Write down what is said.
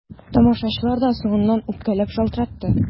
Тамашачылар да соңыннан үпкәләп шалтыратты.